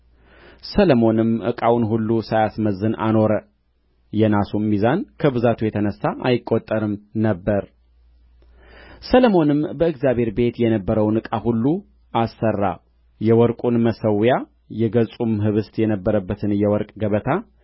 ሰሎሞንም ዕቃውን ሁሉ ሳያስመዝን አኖረ የናሱም ሚዛን ከብዛቱ የተነሣ አይቈጠርም ነበር ሰሎሞንም በእግዚአብሔር ቤት የነበረውን ዕቃ ሁሉ አሠራ የወርቁን መሠዊያ የገጹም ኅብስት የነበረበትን የወርቅ ገበታ